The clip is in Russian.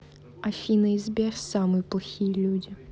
афина и сбер самые плохие люди